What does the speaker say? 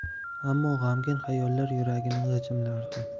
ammo g'amgin xayollar yuragini g'ijimlardi